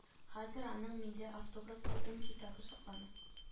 Хәзер аның миндә автографлы ун китабы саклана